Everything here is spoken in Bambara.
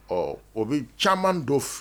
Ɔ o bɛ caman don filɛ